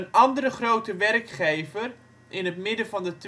andere grote werkgever in het midden van de